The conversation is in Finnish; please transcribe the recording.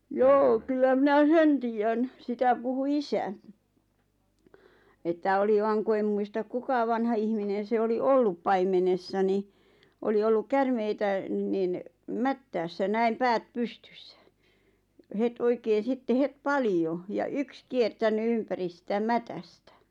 joo kyllä minä sen tiedän sitä puhui isäni että oli vain kun en muista kuka vanha ihminen se oli ollut paimenessa niin oli ollut käärmeitä niin mättäässä näin päät pystyssä ja heti oikein sitten heti paljon ja yksi kiertänyt ympäri sitä mätästä